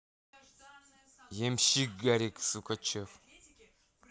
ямщик гарик сукачев